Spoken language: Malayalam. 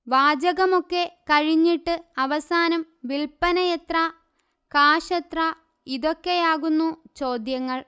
വാചകമൊക്കെ കഴിഞ്ഞിട്ട് അവസാനം വില്പനയെത്ര കാശെത്ര ഇതൊക്കെയാകുന്നു ചോദ്യങ്ങൾ